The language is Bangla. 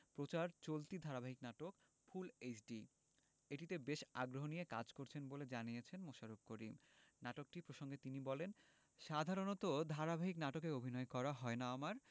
প্রচার চলতি ধারাবাহিক নাটক ফুল এইচডি এটিতে বেশ আগ্রহ নিয়ে কাজ করছেন বলে জানিয়েছেন মোশাররফ করিম নাটকটি প্রসঙ্গে তিনি বলেন সাধারণত ধারাবাহিক নাটকে অভিনয় করা হয় না আমার